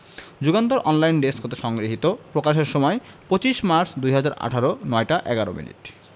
Jugantor online desk হতে সংগৃহীত প্রকাশের সময় ২৫ মার্চ ২০১৮ ০৯ টা ১১ মিনিট